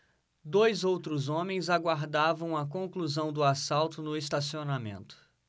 dois outros homens aguardavam a conclusão do assalto no estacionamento